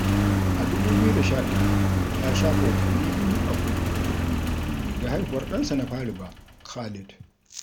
a 2011, ya shafe watanni biyu a kurkuku, bai ga haihuwar ɗansa na fari ba, Khaled.